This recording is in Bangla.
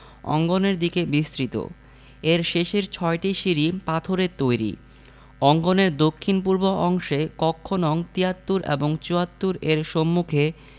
অঙ্গনের দিকে বিস্তৃত এর শেষের ছয়টি সিঁড়ি পাথরের তৈরি অঙ্গনের দক্ষিণ পূর্ব অংশে কক্ষ নং ৭৩ এবং ৭৪ এর সম্মুখে